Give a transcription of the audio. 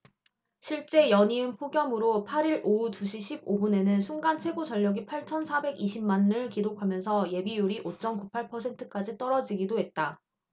실제 연이은 폭염으로 팔 일 오후 두 시 십 오 분에는 순간 최고전력이 팔천 사백 이십 만 를 기록하면서 예비율이 오 쩜 구 팔 퍼센트까지 떨어지기도 했다